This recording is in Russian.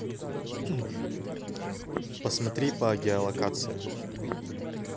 посмотри по геолокации